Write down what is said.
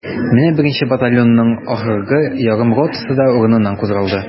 Менә беренче батальонның ахыргы ярым ротасы да урыныннан кузгалды.